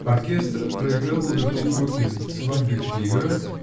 Оркестр проиграл увертюру из "Свадьбы Фигаро".